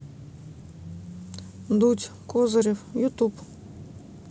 дудь козырев ютуб